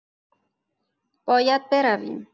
باید برویم.